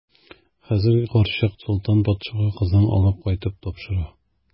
Хәзер карчык Солтан патшага кызын алып кайтып тапшыра.